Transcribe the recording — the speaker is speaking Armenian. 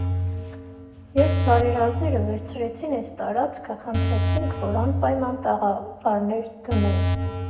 Երբ բարերարները վերցրեցին ես տարածքը, խնդրեցինք, որ անպայման տաղավարներ դնեն։